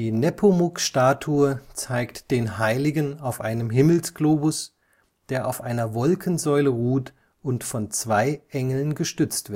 Nepomuk-Statue zeigt den Heiligen auf einem Himmelsglobus, der auf einer Wolkensäule ruht und von zwei Engeln gestützt